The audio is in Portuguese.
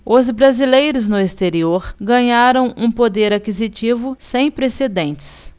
os brasileiros no exterior ganharam um poder aquisitivo sem precedentes